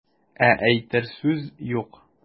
Ә әйтер сүз юк.